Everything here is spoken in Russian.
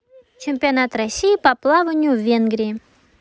чемпионат россии по плаванию в венгрии